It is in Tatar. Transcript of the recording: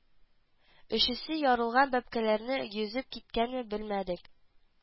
Өчесе ярылган бәбкәләре йөзеп киткәнме белмәдек